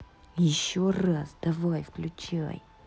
еще раз давай выключай